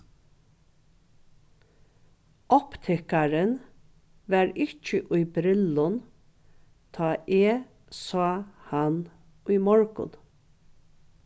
optikarin var ikki í brillum tá eg sá hann í morgun